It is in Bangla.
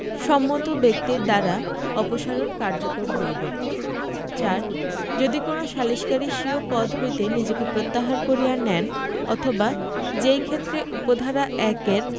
সম্মত ব্যক্তির দ্বারা অপসারণ কার্যকর হইবে ৪ যদি কোন সালিসকারী স্বীয় পদ হইতে নিজেকে প্রত্যাহার করিয়া নেন অথবা যেইক্ষেত্রে উপ ধারা ১ এর